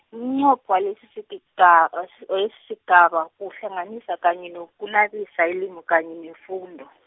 umnqopho walesisitiga was- walesisigaba, kuhlanganisa kanye nokunabisa ilimi kanye nefundo.